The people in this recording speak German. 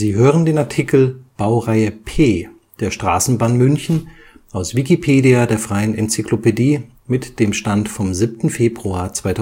hören den Artikel Baureihe P (Straßenbahn München), aus Wikipedia, der freien Enzyklopädie. Mit dem Stand vom Der